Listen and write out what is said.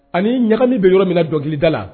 Ani ɲagali bɛ yɔrɔ min dɔnkilikilida la